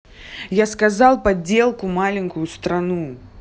я сказал подделку маленькую страну